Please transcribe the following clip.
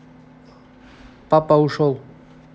папа ушел